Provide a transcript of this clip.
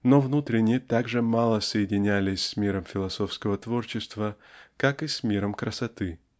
но внутренне так же мало соединялось с миром философского творчества как и с миром красоты.